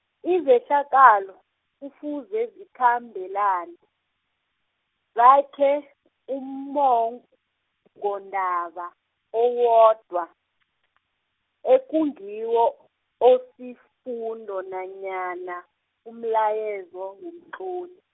izehlakalo, kufuze zikhambelane , zakhe ummongondaba, owodwa , ekungiwo osifundo nanyana, umlayezo womtloli.